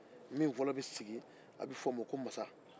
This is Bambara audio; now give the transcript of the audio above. min fɔlɔ bɛ sigi a bɛ fɔ o ma ko masa